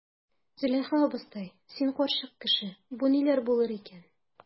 Зөләйха абыстай, син карчык кеше, бу нигә булыр икән?